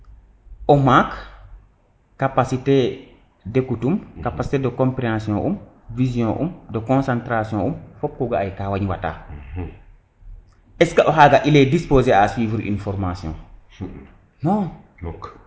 o maak capacité d' écoute um capacité de comprehension um vision um de concentration um fop ko ga aye ka wañ wata est ce que o xaga il est disposer a suivre une formation non